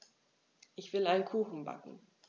Ich will einen Kuchen backen.